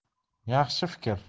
yaxshi fikr